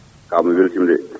kaw mi weltima de